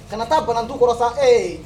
Kana taa banantu kɔrɔ sa ee